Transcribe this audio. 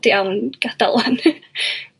od iawn gadal 'wan.